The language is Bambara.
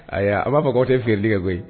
Ayiwa a b'a fɔ awaw tɛ feere kɛ koyi